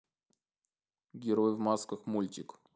герои в масках мультик